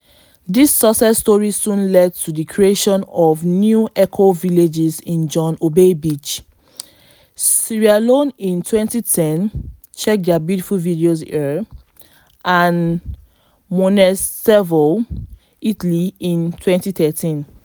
This success story soon led to the creation of new eco-villages in John Obey Beach, Sierra Leone in 2010 (check their beautiful videos here) and Monestevole, Italy in 2013.